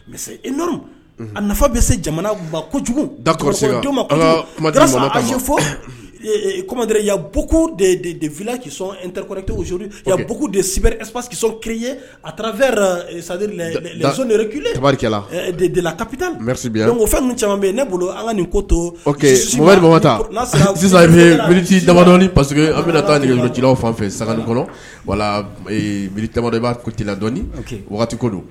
Mɛ n a nafa bɛ se jamana ma kojugu da fɔdfi kisɔntɛktesubugu depkisɔn kire ye a taara sabalikɛla kabi o fɛn caman ne bolo ala nin ko to sisanti dadɔ paseke an bɛ taa nicilaw fan fɛ sa kɔnɔ wala tadɔba kutiladɔni ko don